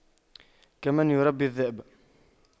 كمن يربي الذئب